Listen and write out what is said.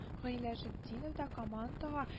Гыйләҗетдинов да командага